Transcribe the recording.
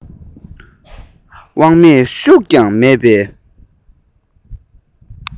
དབང མེད ལ ཤུགས ཀྱང མེད པའི